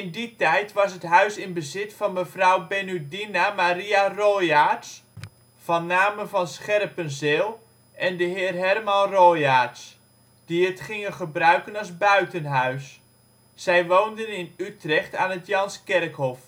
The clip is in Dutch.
die tijd was het huis in bezit van mevrouw Benudina Maria Royaards - van Naamen van Scherpenzeel en de heer Herman Royaards, die het gingen gebruiken als buitenhuis; zij woonden in Utrecht aan het Janskerkhof